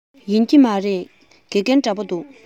ཡིན གྱི མ རེད དགེ རྒན འདྲ པོ འདུག